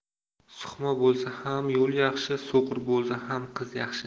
suqma bo'lsa ham yo'l yaxshi so'qir bo'lsa ham qiz yaxshi